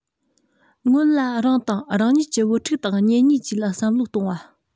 སྔོན ལ རང དང རང ཉིད ཀྱི བུ ཕྲུག དང གཉེན ཉེ བཅས ལ བསམ བློ གཏོང བ